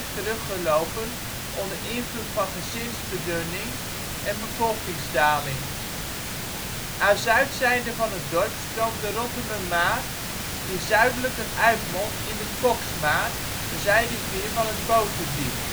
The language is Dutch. teruggelopen onder invloed van gezinsverdunning en bevolkingsdaling. Bevolkingsontwikkeling 1795 1849 1859 1869 1879 1889 1899 1909 1920 1930 1947 1995 1997 1999 2010 238¹ 344¹² 184 164 191 212 193 354¹ 194 181 150 180 170 120 95 Data afkomstig van volkstellingen.nl & CBS. ¹inc. buiten kom (Bethlehem, Helwerd & Holwinde); ²inc. armenhuis Aan zuidzijde van het dorp stroomt de Rottumermaar, die zuidelijker uitmondt in de Koksmaar (zijrivier van Boterdiep